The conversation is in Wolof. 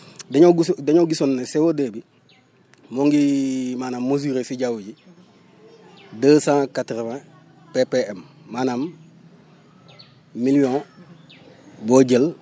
dañoo gis dañoo gisoon ne CO2 bi mu ngi maanaam mesurer si jaww ji deux cent quatre vingt EPM maanaam million boo jël